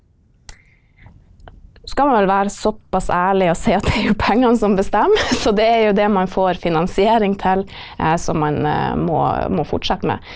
skal man vel være såpass ærlig og si at det er jo pengene som bestemmer, så det er jo det som man får finansiering til som man må må fortsette med.